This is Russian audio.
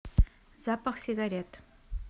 запах сигарет